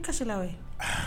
E ye kasila wɛ!